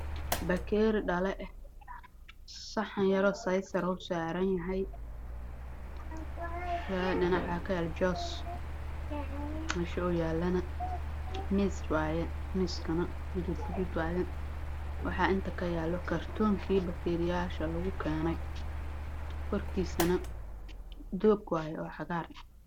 Bakeeri dhalo ah miisha uu yaalo miis waaye